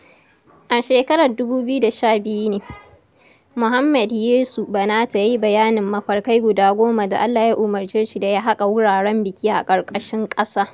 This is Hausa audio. A shekarar 2012 ne Mohammed Yiso Banatah ya yi bayanin mafarkai guda goma da Allah Ya umarce shi da ya haƙa wuraren biki a ƙarƙashin ƙasa.